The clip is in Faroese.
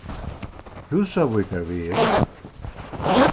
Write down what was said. húsavíkarvegur